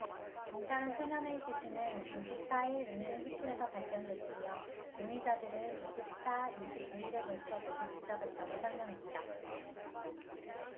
경찰은 소년의 시신은 이십 사 일 인근 수풀에서 발견됐으며 용의자들을 이십 사 이십 오 일에 걸쳐 모두 붙잡았다고 설명했다